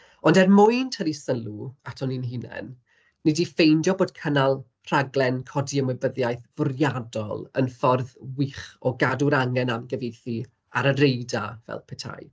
Ond er mwyn tynnu sylw aton ni'n hunain, ni 'di ffeindio bod cynnal rhaglen codi ymwybyddiaeth fwriadol yn ffordd wych o gadw'r angen am gyfeithu ar y radar fel petai.